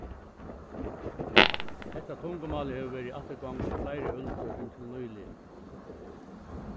hetta tungumálið hevur verið í afturgongd í fleiri øldir inntil nýliga